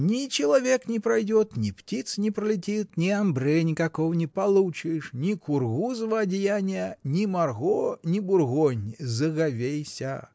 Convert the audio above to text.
Ни человек не пройдет, ни птица не пролетит, ни амбре никакого не получишь, ни кургузого одеяния, ни марго, ни бургонь — заговейся!